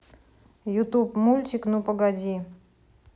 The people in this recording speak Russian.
ютуб мультик ну погоди